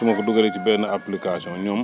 su ma ko dugalee ci benn application ñoom